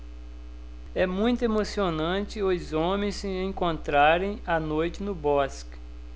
é muito emocionante os homens se encontrarem à noite no bosque